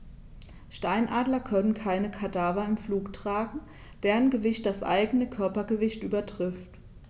Steinadler können keine Kadaver im Flug tragen, deren Gewicht das eigene Körpergewicht übertrifft.